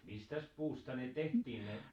mistäs puusta ne tehtiin ne